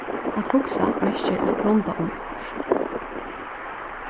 at hugsa merkir at grunda um okkurt